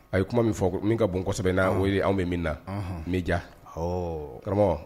A ye kuma min fɔ min ka bonsɛbɛ n' wele anw bɛ min na n b' ja ɔ karamɔgɔ